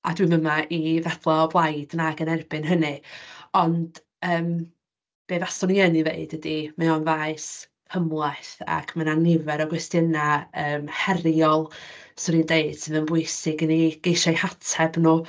A dwi'm yma i ddadlau o blaid nag yn erbyn hynny, ond yym be faswn i yn ei ddeud ydy mae o'n faes cymleth, ac ma' 'na nifer o gwestiynau yym heriol 'swn i'n deud sydd yn bwysig i ni geisio eu hateb nhw.